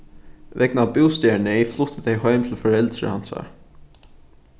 vegna bústaðarneyð fluttu tey heim til foreldur hansara